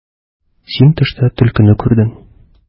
Син төштә төлкене күрдең.